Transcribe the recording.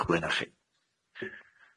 ych blaena chi.